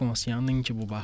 conscients nañ ci bu baax